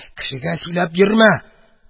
Кешегә сөйләп йөрмә: